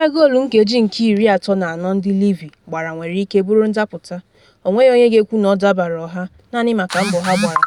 Ebe goolu nkeji 34th ndị Livi gbara nwere ike bụrụ ndapụta, ọ nweghị onye ga-ekwu na ọ dabarọ ha naanị maka mbọ ha gbara.